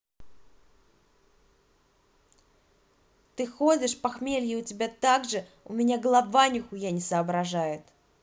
ты ходишь похмелья у тебя также у меня голова нихуя не соображает